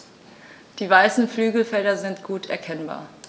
Die weißen Flügelfelder sind gut erkennbar.